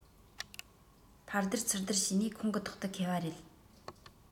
ཕར སྡུར ཚུར སྡུར བྱས ནས ཁོང གི ཐོག ཏུ འཁེལ བ རེད